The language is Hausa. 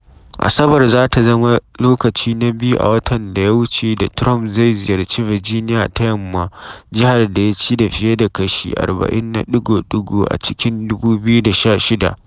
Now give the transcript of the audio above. Asabar za ta zama lokaci na biyu a watan da ya wuce da Trump zai ziyarci Virginia ta Yamma, jihar da ya ci da fiye da kashi 40 na ɗigo-ɗigo a cikin 2016.